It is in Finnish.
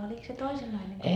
oliko se toisenlainen kuin